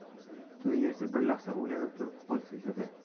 to'y egasi bir lahza o'ylanib turib qo'l siltadi